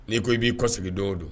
N'i ko i b'i kɔ segin don don